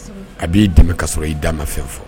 A b'i dɛmɛ ka sɔrɔ i da ma fɛn fɔ